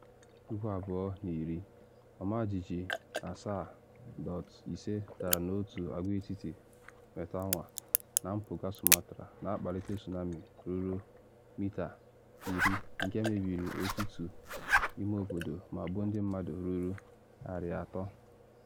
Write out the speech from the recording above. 2010: Ọmajiji 7.5 dara n’otu agwaetiti Mentawai, na mpụga Sumatra, na akpalite tsunami ruru mita 10 nke mebiri ọtụtụ ime obodo ma gbuo ndị mmadụ ruru 300.